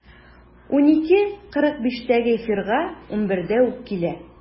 12.45-тәге эфирга 11-дә үк килә.